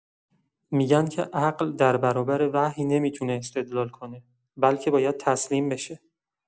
می‌گن که عقل در برابر وحی نمی‌تونه استدلال کنه، بلکه باید تسلیم بشه.